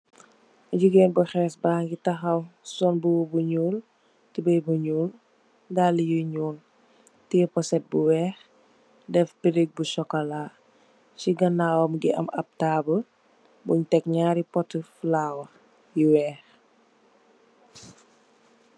Jigéen bu hees ba ngi tahaw sol mbub ñuul, tubeye bu ñuul, daal yu ñuul, tè puset bu weeh brick bu sokola. Ci ganaawam mungi am ab taabl bun tekk naaru potu flower yu weeh.